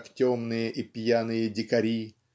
как темные и пьяные дикари